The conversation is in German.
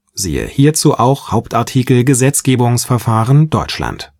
→ Hauptartikel: Gesetzgebungsverfahren (Deutschland